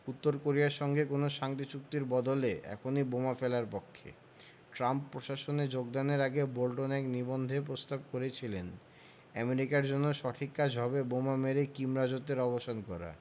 উত্তর কোরিয়ার সঙ্গে কোনো শান্তি চুক্তির বদলে এখনই বোমা ফেলার পক্ষে ট্রাম্প প্রশাসনে যোগদানের আগে বোল্টন এক নিবন্ধে প্রস্তাব করেছিলেন আমেরিকার জন্য সঠিক কাজ হবে বোমা মেরে কিম রাজত্বের অবসান করা